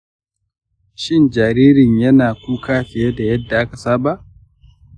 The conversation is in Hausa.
shin jaririn yana kuka fiye da yadda aka saba?